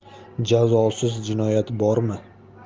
jazosiz jinoyat bormi